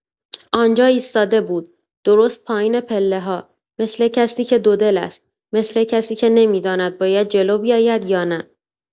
آنجا ایستاده بود، درست پایین پله‌ها، مثل کسی که دو دل است، مثل کسی که نمی‌داند باید جلو بیاید یا نه.